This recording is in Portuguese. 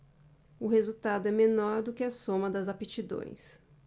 o resultado é menor do que a soma das aptidões